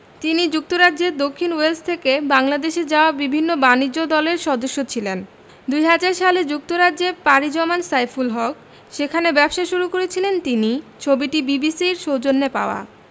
তিনি যুক্তরাজ্যের দক্ষিণ ওয়েলস থেকে বাংলাদেশে যাওয়া বিভিন্ন বাণিজ্য দলের সদস্য ছিলেন ২০০০ সালে যুক্তরাজ্যে পাড়ি জমান সাইফুল হক সেখানে ব্যবসা শুরু করেছিলেন তিনি ছবিটি বিবিসির সৌজন্যে পাওয়া